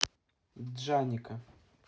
джаника